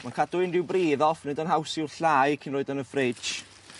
ma'n cadw unryw bridd off neud yn haws i'w 'llai cyn roid o yn y fridge.